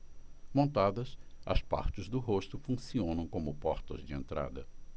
montadas as partes do rosto funcionam como portas de entrada